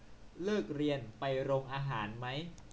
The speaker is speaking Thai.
เลิกเรียนไปโรงอาหารมั้ย